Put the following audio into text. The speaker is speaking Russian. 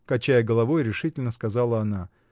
— качая головой, решительно сказала она.